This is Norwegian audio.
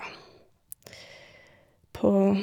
På...